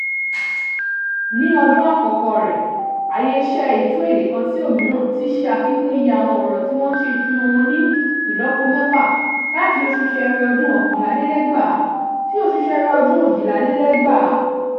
Ní ọdún àkọ́kọ́ rẹ̀, Translation Workspace ti ṣe àfikún iye àwọn ọ̀rọ̀ tí wọ́n ṣe ìtumọ̀ wọn ní ìlọ́po mẹ́fà (láti oṣù Ṣẹ́ẹ́rẹ́ ọdún 2011 sí oṣù Ṣẹ́ẹ́rẹ́ ọdún 2012).